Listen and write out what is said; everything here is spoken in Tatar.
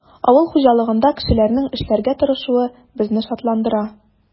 Авыл хуҗалыгында кешеләрнең эшләргә тырышуы безне шатландыра.